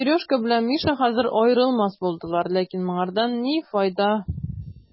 Сережка белән Миша хәзер аерылмас булдылар, ләкин моңардан ни файда?